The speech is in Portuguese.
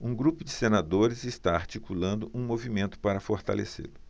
um grupo de senadores está articulando um movimento para fortalecê-lo